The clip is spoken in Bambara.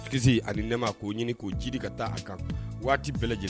Kisisi ani nɛma k'o ɲini k koo jiri ka taa a kan waati bɛɛ lajɛlen